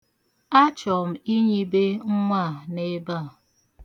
Achọ m inyibe nwa a n'ebe a.